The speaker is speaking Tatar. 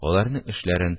Аларның эшләрен